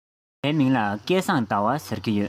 ངའི མིང ལ སྐལ བཟང ཟླ བ ཟེར གྱི ཡོད